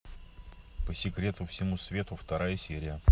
по секрету всему свету вторая серия